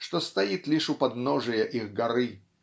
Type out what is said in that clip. что стоит лишь у подножия их горы.